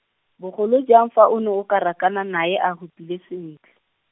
bogolo jang fa o ne o ka rakana nae a hupile sentle.